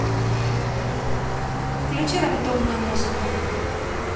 включи рандомную музыку